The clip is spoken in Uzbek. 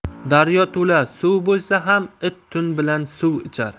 daryo to'la suv bo'lsa ham it tun bilan suv ichar